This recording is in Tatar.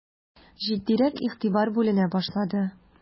Җитдирәк игътибар бүленә башлады.